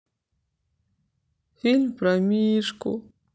фильм про мишку